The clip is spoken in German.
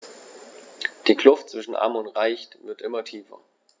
Die Kluft zwischen Arm und Reich wird immer tiefer.